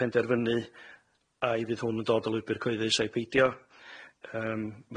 penderfynu ai fydd hwn yn dod o lwybyr cyhoeddus ai peidio yym